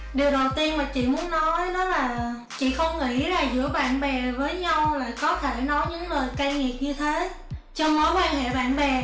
điều đầu tiên chị muốn nói đó là chị không nghĩ là giữa bạn bè với nhau lại có thể nói những lời cay nghiệt như thế trong mối quan hệ bạn bè